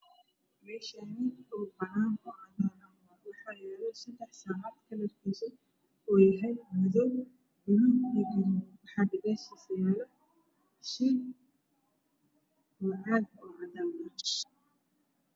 Meeshaan dhul banaan waaye waxaa yaalo seddex saacad kalarkiisu uu yahay Madow, buluug iyo gaduud waxaa gadaashiisa yaala caag cadaan ah.